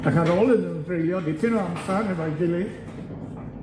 ac ar ôl iddyn nw dreulio dipyn o amsar hefo'i gilydd,